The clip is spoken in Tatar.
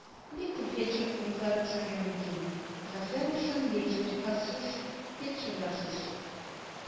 Бик күп фельдшер пунктлары төзергә мөмкин (кәгазьдә булсын яисә җиһазсыз, фельдшерларсыз).